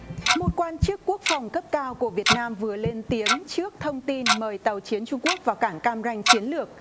một quan chức quốc phòng cấp cao của việt nam vừa lên tiếng trước thông tin mời tàu chiến trung quốc vào cảng cam ranh chiến lược